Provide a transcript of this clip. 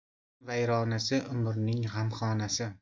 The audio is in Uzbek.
vatanning vayronasi umrning g'amxonasi